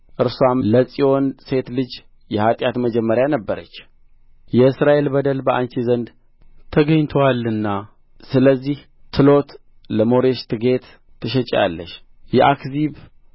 እርስዋ ለጽዮን ሴት ልጅ የኃጢአት መጀመሪያ ነበረች የእስራኤል በደል በአንቺ ዘንድ ተገኝቶአልና ስለዚህ ትሎት ለሞሬሼትጌት ትሰጪአለሽ የአክዚብ